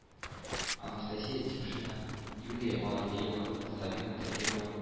Анастасия Тимшина, Юлия Малафеева, Сабина Тагирова,